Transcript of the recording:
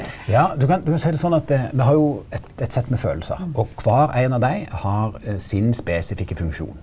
ja du kan du kan seie det sånn at det me har jo et et sett med følelsar og kvar ein av dei har sin spesifikke funksjon.